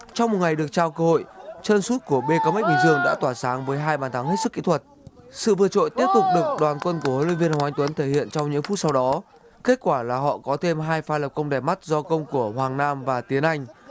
trong một ngày được trao cơ hội chân sút của bê ca mếch bình dương đã tỏa sáng với hai bàn thắng hết sức kỹ thuật sự vượt trội tiếp tục được đoàn quân của huấn luyện viên hoàng anh tuấn thể hiện trong những phút sau đó kết quả là họ có thêm hai pha lập công đẹp mắt do công của hoàng nam và tiến anh